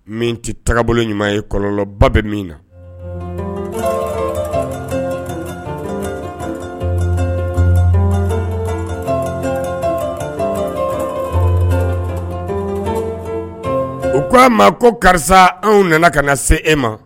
Min tɛ taabolobolo ɲuman ye kɔlɔlɔnlɔba bɛ min na u k ko' a ma ko karisa anw nana ka na se e ma